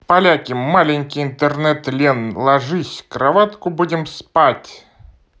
поляки маленький интернет лен ложись кроватку будем спать